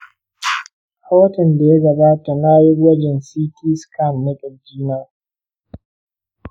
a watan da ya gabata na yi gwajin ct scan na ƙirjina.